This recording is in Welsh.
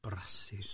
Brasys!